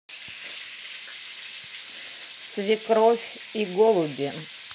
свекровь и голуби